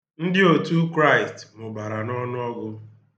Ndị otu Christ mụbara n'ọnụọgụ.